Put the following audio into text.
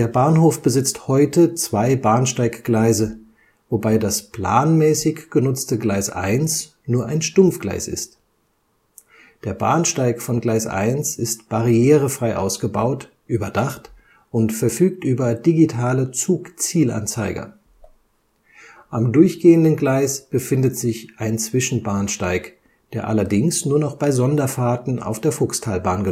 Bahnhof besitzt heute zwei Bahnsteiggleise, wobei das planmäßig genutzte Gleis 1 nur ein Stumpfgleis ist. Der Bahnsteig von Gleis 1 ist barrierefrei ausgebaut, überdacht und verfügt über digitale Zugzielanzeiger. Am durchgehenden Gleis befindet sich ein Zwischenbahnsteig, der allerdings nur noch bei Sonderfahrten auf der Fuchstalbahn